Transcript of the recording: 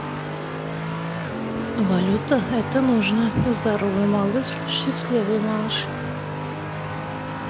валюта это нужно здоровый малыш счастливый малыш